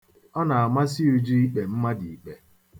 Ọ na-amasị Uju ikpe mmadụ ikpe.